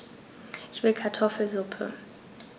Ich will Kartoffelsuppe.